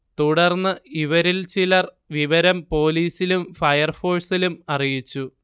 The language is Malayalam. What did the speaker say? തുടർന്ന് ഇവരിൽ ചിലർ വിവരം പൊലീസിലും ഫയർഫോഴ്സിലും അറിയിച്ചു